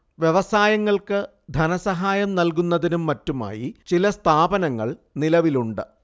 വ്യവസായങ്ങൾക്ക് ധനസഹായം നല്കുന്നതിനും മറ്റുമായി ചില സ്ഥാപനങ്ങൾ നിലവിലുണ്ട്